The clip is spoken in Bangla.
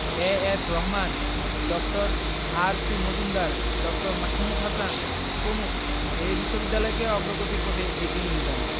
এ.এফ রহমান ড. আর.সি মজুমদার ড. মাহমুদ হাসান প্রমুখ এ বিশ্ববিদ্যালয়কে অগ্রগতির পথে এগিয়ে নিয়ে যান